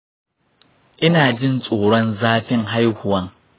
ina jin tsoron zafin haihuwan.